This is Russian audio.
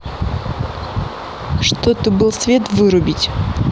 что ты был свет вырубить